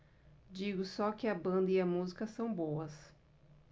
digo só que a banda e a música são boas